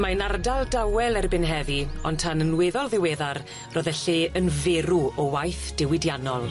Mae'n ardal dawel erbyn heddi ond tan yn weddol ddiweddar ro'dd y lle yn ferw o waith diwydiannol.